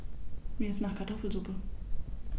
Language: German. Mir ist nach Kartoffelsuppe.